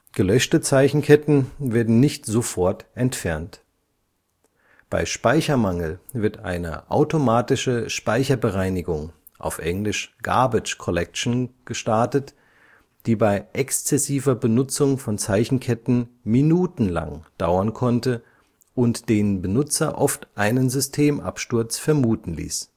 Gelöschte Zeichenketten werden nicht sofort entfernt. Bei Speichermangel wird eine automatische Speicherbereinigung (englisch garbage collection) gestartet, die bei exzessiver Benutzung von Zeichenketten minutenlang dauern konnte und den Benutzer oft einen Systemabsturz vermuten ließ